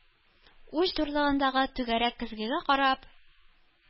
Уч зурлыгындагы түгәрәк көзгегә карап